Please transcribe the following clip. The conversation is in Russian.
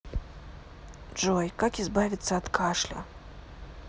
джой как избавиться от кашля